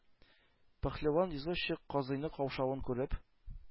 Пәһлеван извозчик, казыйның каушавын күреп,